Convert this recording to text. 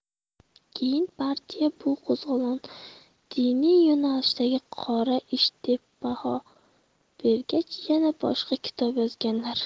keyin partiya bu qo'zg'olon diniy yo'nalishdagi qora ish deb baho bergach yana boshqa kitob yozganlar